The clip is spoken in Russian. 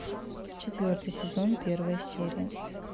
четвертый сезон первая серия